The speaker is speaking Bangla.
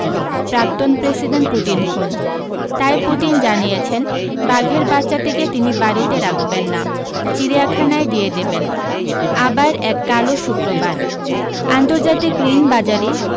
প্রাক্তন প্রেসিডেন্ট পুতিন হোন তাই পুতিন জানিয়েছেন বাঘের বাচ্চাটিকে তিনি বাড়ীতে রাখবেন না চিড়িয়াখানায় দিয়ে দেবেন আবার এক কালো শুক্রবার আন্তর্জাতিক ঋণ বাজারে